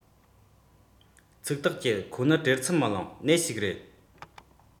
ཚིག ཐག བཅད ཁོ ནི བྲེལ འཚུབ མི ལངས ནད ཞིག རེད